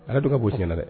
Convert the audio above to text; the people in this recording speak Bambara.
A' y'an tɔgɔ b'u senna dɛ